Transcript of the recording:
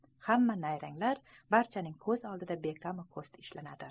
hamma nayranglar barchaning ko'z oldida bekami ko'st ishladi